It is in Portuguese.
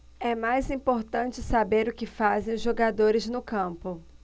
é mais importante saber o que fazem os jogadores no campo